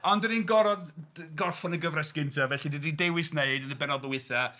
Ond dan ni'n gorfod gorffen y gyfres gynta, felly dw i 'di dewis wneud, yn y benod ddwytha...